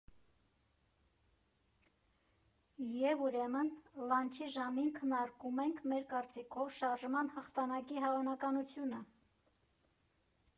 Եվ ուրեմն, լանչի ժամին քննարկում ենք մեր կարծիքով շարժման հաղթանակի հավանականությունը։